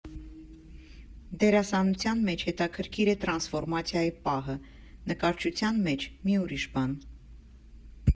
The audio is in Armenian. Դերասանության մեջ հետաքրքիր է տրանսֆորմացիայի պահը, նկարչության մեջ՝ մի ուրիշ բան։